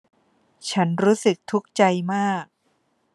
ฉันรู้สึกทุกข์ใจมาก